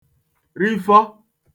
rifọ